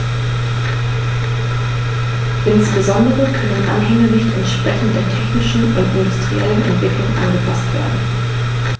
Insbesondere können Anhänge nicht entsprechend der technischen und industriellen Entwicklung angepaßt werden.